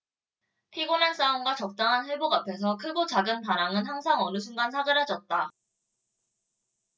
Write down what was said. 피곤한 싸움과 적당한 회복 앞에서 크고 작은 반항은 항상 어느 순간 사그라졌다